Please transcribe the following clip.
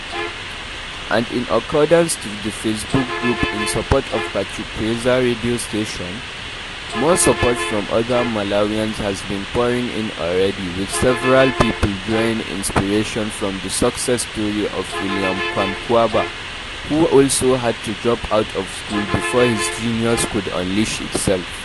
And according to the facebook group “in support of Pachikweza Radio Station“, more support from other Malawians has been pouring in already, with several people drawing inspiration from the success story of William Kamkwamba, who also had to drop out of school before his genius could unleash itself.